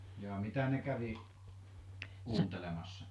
jaa mitä ne kävi kuuntelemassa